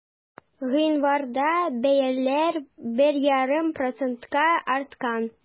Гыйнварда бәяләр 1,5 процентка арткан.